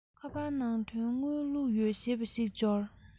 ཁ པར ནང དོན དངུལ བླུག ཡོད ཞེས པ ཞིག འབྱོར